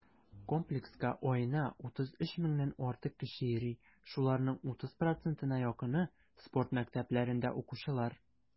Комплекска аена 33 меңнән артык кеше йөри, шуларның 30 %-на якыны - спорт мәктәпләрендә укучылар.